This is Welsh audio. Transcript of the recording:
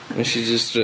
Wnes i jyst rhoi...